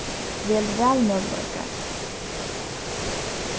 vel valmøguleikar